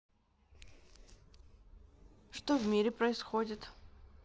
что в мире происходит